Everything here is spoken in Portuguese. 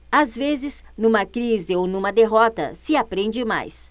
às vezes numa crise ou numa derrota se aprende mais